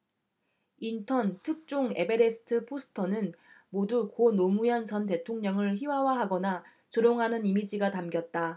인턴 특종 에베레스트 포스터는 모두 고 노무현 전 대통령을 희화화하거나 조롱하는 이미지가 담겼다